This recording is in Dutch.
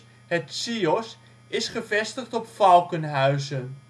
CIOS) is gevestigd op Valkenhuizen